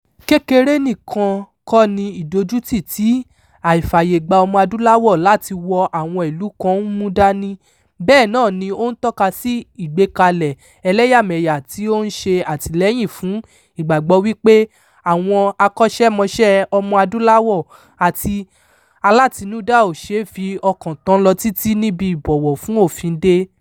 Kékeré nìkan kọ́ ni ìdójútì tí àìfàyègba Ọmọ-adúláwọ̀ láti wọ àwọn illú kan ń mú dání — bẹ́ẹ̀ náà ni ó ń tọ́ka sí ìgbékalẹ̀ ẹlẹ́yàmẹyà tí ó ń ṣe àtillẹ́yìn fún ìgbàgbọ́ wípé àwọn akọ́ṣẹ́mọṣẹ Ọmọ-adúláwọ̀ àti alátinúdá ò ṣe é fi ọkàn tàn lọ títí ni ti ìbọ̀wọ̀ fún òfín dé.